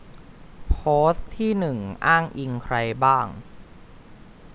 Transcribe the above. โพสต์ที่หนึ่งอ้างอิงใครบ้าง